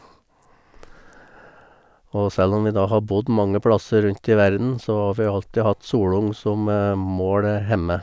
Og selv om vi da har bodd mange plasser rundt i verden, så har vi alltid hatt solung som mål hjemme.